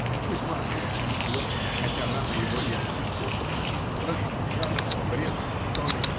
Кузьма очень плох, хотя рана его и очистилась: страшный жар, бред, стоны.